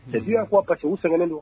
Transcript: Sariya' ko ka sɛgɛnnen don